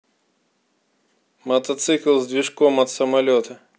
мотоцикл с движком от самолета